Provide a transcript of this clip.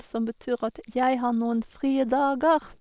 Som betyr at jeg har noen frie dager.